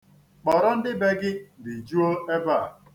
Kpọrọ ndị be gị bijuo ebe a.